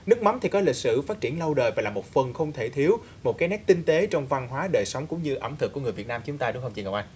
nước mắm thì có lịch sử phát triển lâu đời và là một phần không thể thiếu một cái nét tinh tế trong văn hóa đời sống cũng như ẩm thực của người việt nam chúng ta đúng không chị ngọc anh